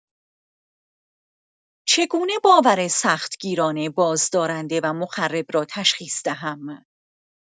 چگونه باور سختگیرانه، بازدارنده و مخرب را تشخیص دهم؟